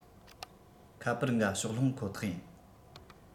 ཁ པར འགའ ཕྱོགས ལྷུང ཁོ ཐག ཡིན